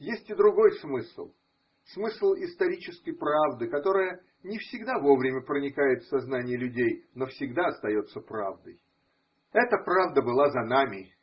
Есть и другой смысл – смысл исторической правды, которая не всегда вовремя проникает в сознание людей, но всегда остается правдой. Эта правда была за нами.